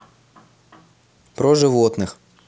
про животных